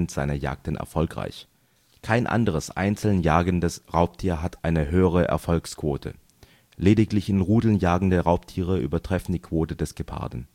seiner Jagden erfolgreich. Kein anderes einzeln jagendes Raubtier hat eine höhere Erfolgsquote. (Lediglich in Rudeln jagende Raubtiere übertreffen die Quote des Geparden